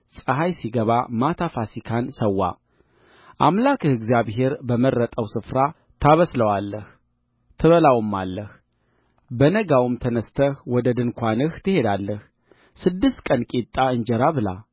ፀሐይ ሲገባ ማታ ፋሲካን ሠዋ አምላክህ እግዚአብሔር በመረጠው ስፍራ ታበስለዋለህ ትበላውማለህ በነጋውም ተነሥተህ ወደ ድንኳንህ ትሄዳለህ ስድስት ቀን ቂጣ እንጀራ ብላ